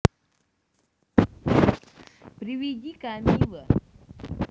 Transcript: приведи камилла